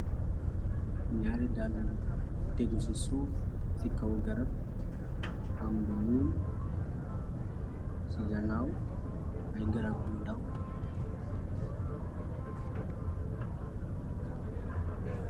Naari dall yu tegu ci suuf, ci kaw garab, amalu muul, ci galaaw ay garab yu ndaw.